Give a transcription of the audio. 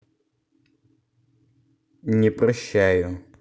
не прощаю